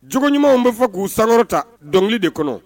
Jugu ɲumanw bɛ fɔ k'u san ta dɔnkili de kɔnɔ